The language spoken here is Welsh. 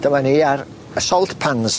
Dyma ni ar y salt pans.